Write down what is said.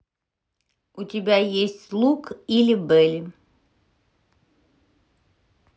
у тебя есть лук или belle